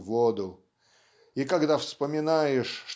в воду и когда вспоминаешь